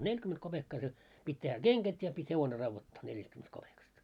neljäkymmentä kopeekkaa se piti tehdä kengät ja piti hevonen raudoittaa neljästäkymmenestä kopeekasta